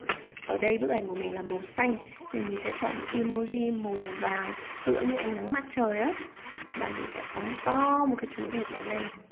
ở đây bức ảnh của mình là màu xanh nên mình sẽ chọn một emoji màu vàng tựa như ánh nắng mặt trời và mình sẽ phóng to chú vịt này lên